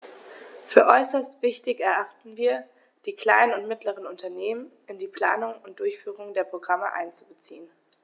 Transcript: Für äußerst wichtig erachten wir, die kleinen und mittleren Unternehmen in die Planung und Durchführung der Programme einzubeziehen.